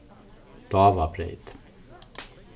dávabreyt